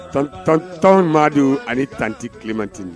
Tɔn tɔn maa don ani t tɛ tile mantinin